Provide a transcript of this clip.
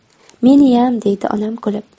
meniyam deydi onam kulib